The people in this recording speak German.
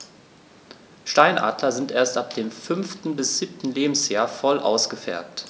Steinadler sind erst ab dem 5. bis 7. Lebensjahr voll ausgefärbt.